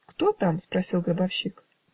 "Кто там?" -- спросил гробовщик.